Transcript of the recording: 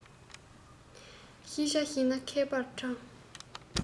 ཤེས བྱ ཤེས ན མཁས པར བགྲང